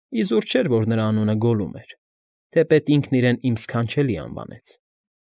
Իզուր չէր, որ նրա անունը Գոլլում էր, թեպետ ինքն իրեն «իմ ս֊ս֊ս֊քանչելի» անվանեց։